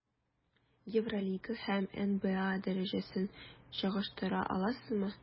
Евролига һәм НБА дәрәҗәсен чагыштыра аласызмы?